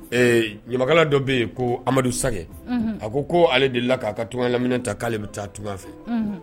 Ɲamakala dɔ bɛ yen ko amadu sa a ko ko ale dela k'a ka tunga lamminɛ ta k'aale bɛ taa tunga fɛ